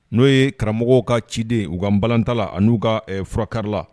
N'o ye karamɔgɔ ka ciden u ka balalanta ani n'u ka furakari la